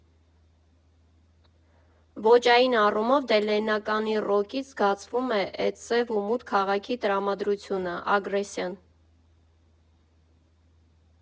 Ոճային առումով, դե Լեննագանի ռոքից զգացվում է էտ սև ու մութ քաղաքի տրամադրությունը, ագրեսիան։